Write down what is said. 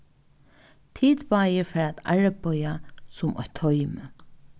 tit báðir fara at arbeiða sum eitt toymi